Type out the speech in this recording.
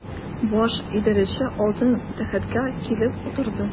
Баш идарәче алтын тәхеткә килеп утырды.